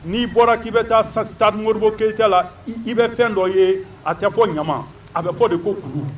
N'i bɔra k'i bɛ taa tan moriɔribo keyitata la i bɛ fɛn dɔ ye a tɛ fɔ ɲama a bɛ fɔ de ko kulu